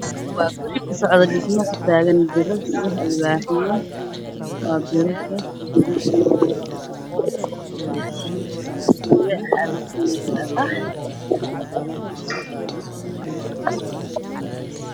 Waa guri ku socoto dhismo waxaa kataagan birar iyo alwaax , guriga waxaa laga sameeyey dhagax iyo bulukeeti.